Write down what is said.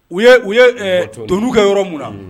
U u ye communes kɛ yɔrɔ mun na